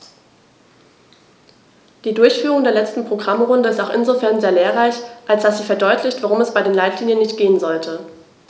Die Durchführung der letzten Programmrunde ist auch insofern sehr lehrreich, als dass sie verdeutlicht, worum es bei den Leitlinien nicht gehen sollte.